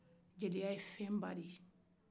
jeliya ye fɛnba de ye